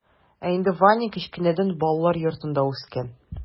Ә инде ваня кечкенәдән балалар йортында үскән.